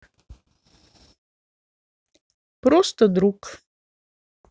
просто друг